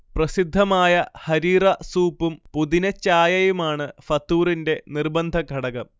പ്രസിദ്ധമായ 'ഹരീറ' സൂപ്പും പുതിനച്ചായയുമാണ് ഫതൂറിന്റെ നിർബന്ധ ഘടകം